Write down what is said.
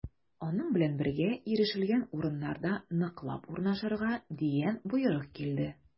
Аның белән бергә ирешелгән урыннарда ныклап урнашырга дигән боерык килде.